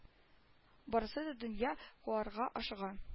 Барысы да дөнья куарга ашыга